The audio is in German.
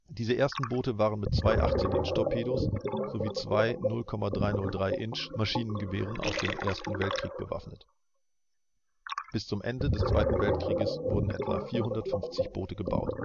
Diese ersten Boote waren mit zwei 18 Inch Torpedos, sowie zwei 0,303 Inch (7,7 mm) Maschinengewehren aus dem Ersten Weltkrieg bewaffnet. Im Mittelmeereinsatz. Ein in Lizenz in den USA gefertigtes 72 Fuß 6 Inch Vosper-Boot folgt einem 78 Fuß Higgins-Boot (ehemaliges PT-Boot) in Kielline Bis zum Ende des Zweiten Weltkrieges wurden etwa 450 Boote gebaut